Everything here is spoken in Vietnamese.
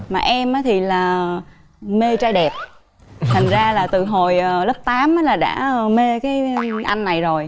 mà em á thì là mê trai đẹp thành ra là từ hồi lớp tám á là đã mê cái anh này rồi